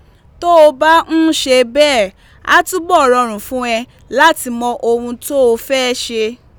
Tó o bá ń ṣe bẹ́ẹ̀, á túbọ̀ rọrùn fún ẹ láti mọ ohun tó o fẹ́ ṣe.